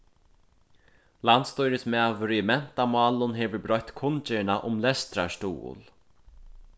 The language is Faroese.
landsstýrismaður í mentamálum hevur broytt kunngerðina um lestrarstuðul